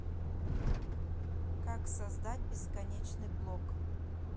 как создать бесконечный блок